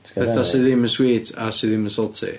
Pethau sy ddim yn sweet a sydd ddim yn salty.